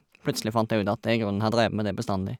Plutselig fant jeg ut at jeg i grunnen har drevet med det bestandig.